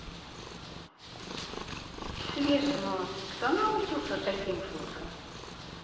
смешно кто научился таким шуткам